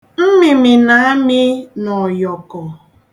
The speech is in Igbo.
Mmịmị na-amị n'ọyọkọ.